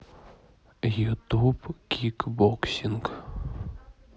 ютуб кик боксинг